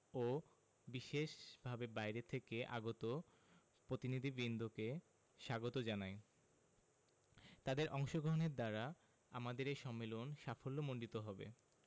ও বিশেষভাবে বাইরে থেকে আগত প্রতিনিধিবৃন্দকে স্বাগত জানাই তাদের অংশগ্রহণের দ্বারা আমাদের এ সম্মেলন সাফল্যমণ্ডিত হবে